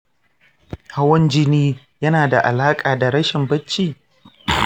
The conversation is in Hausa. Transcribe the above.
hawan jini yana da alaƙa da rashin barci?